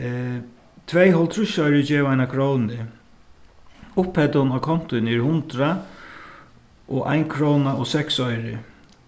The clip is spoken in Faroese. tvey hálvtrýssoyru geva eina krónu upphæddin á kontoini er hundrað og ein króna og seks oyru